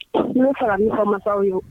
Ne bɛ f ka min fɔ mansaw ye.